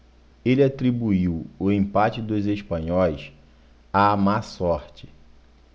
ele atribuiu o empate dos espanhóis à má sorte